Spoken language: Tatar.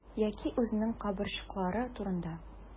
Яки үзенең кабырчрыклары турында.